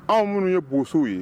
Anw minnu ye bow ye